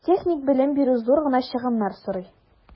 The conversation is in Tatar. Техник белем бирү зур гына чыгымнар сорый.